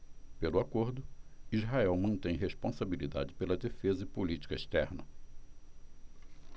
pelo acordo israel mantém responsabilidade pela defesa e política externa